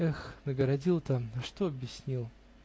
Эх, нагородил-то, а что объяснил?.